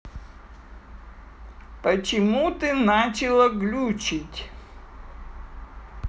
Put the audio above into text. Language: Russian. почему ты начала глючить